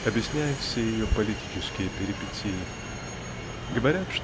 объясняет все ее политические перипетии. Говорят